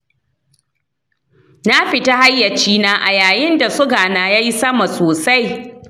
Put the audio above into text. na fita hayacina a yayin da suga na yayi sama sosai.